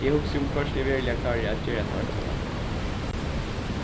eg hugsi um hvørt eg veruliga klári at gera tað einsamallur